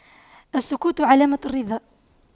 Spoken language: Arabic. السكوت علامة الرضا